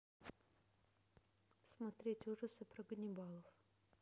смотреть ужасы про ганнибалов